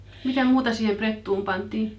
Mitä muuta siihen prettuun pantiin